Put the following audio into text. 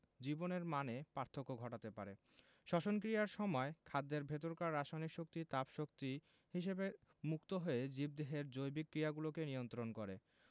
জীবনের মানে পার্থক্য ঘটাতে পারে শ্বসন ক্রিয়ার সময় খাদ্যের ভেতরকার রাসায়নিক শক্তি তাপ শক্তি হিসেবে মুক্ত হয়ে জীবদেহের জৈবিক ক্রিয়াগুলোকে নিয়ন্ত্রন করে